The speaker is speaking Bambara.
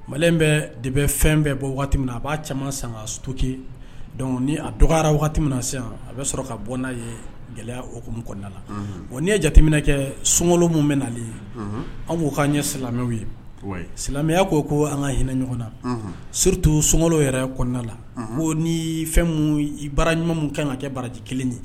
Mali bɛ de bɛ fɛn bɛɛ bɔ waati min na a b'a caman san ka soki dɔnkuc a dɔgɔra min na sisan a bɛ sɔrɔ ka bɔ ye gɛlɛya oumu kɔnɔnada la o n'i ye jateminɛ kɛ sun minnu bɛ naale ye an b'u ka ye silamɛw ye silamɛya ko ko an ka hinɛ ɲɔgɔn na stu sun yɛrɛ kɔnɔnada la ko ni fɛn baara ɲumanw kan ka kɛ baraji kelen ye